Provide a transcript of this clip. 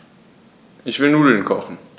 Ich will Nudeln kochen.